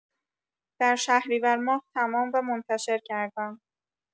در شهریورماه تمام و منتشر کردم.